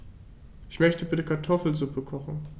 Ich möchte bitte Kartoffelsuppe kochen.